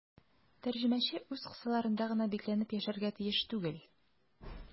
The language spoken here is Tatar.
Тәрҗемәче үз кысаларында гына бикләнеп яшәргә тиеш түгел.